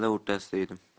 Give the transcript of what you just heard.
dala o'rtasida edim